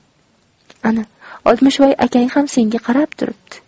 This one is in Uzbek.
ana oltmishvoy akang ham senga qarab turibdi